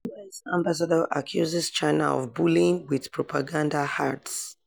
U.S. ambassador accuses China of 'bullying' with 'propaganda ads'